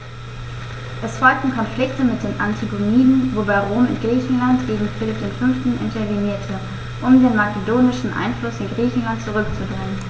Es folgten Konflikte mit den Antigoniden, wobei Rom in Griechenland gegen Philipp V. intervenierte, um den makedonischen Einfluss in Griechenland zurückzudrängen.